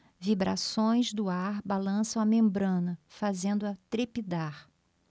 vibrações do ar balançam a membrana fazendo-a trepidar